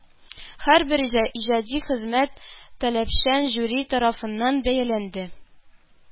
Һәрбер иҗади хезмәт таләпчән жюри тарафыннан бәяләнде